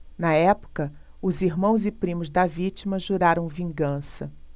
na época os irmãos e primos da vítima juraram vingança